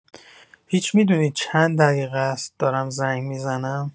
هیچ می‌دونی چند دقیقه است دارم زنگ می‌زنم؟